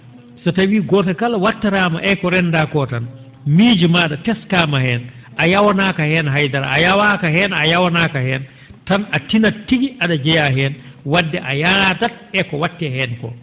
so tawii gooto kala wattoraama e ko renndaa koo tan miijo maa?a teskaama heen a yawanaaka heen haydara a yawaaka heen a yawnaaka heen tan a tinat tigi a?a jeyaa heen wadde a yaadat e ko wa?etee heen koo